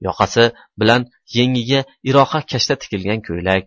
yoqasi bilan yengiga iroqi kashta tikilgan ko'ylak